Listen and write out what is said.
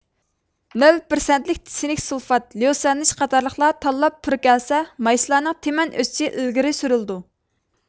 نۆل پىرسەنتلىك سىنك سۇلفات ليۇسۈەنشىن قاتارلىقلار تاللاپ پۈركەلسە مايسىلانىڭ تىمەن ئۆسۈشى ئىلگىرى سۈرۈلىدۇ